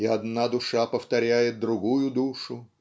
и одна душа повторяет другую душу